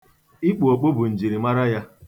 Ikpu okpu bụ njirimara ya.